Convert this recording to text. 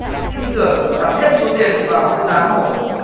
tin tưởng và đặt hết số tiền vào phương án hổ